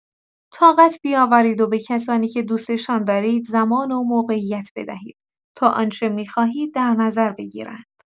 طاقت بیاورید و به کسانی که دوستشان دارید زمان و موقعیت بدهید تا آنچه می‌خواهید در نظر بگیرند.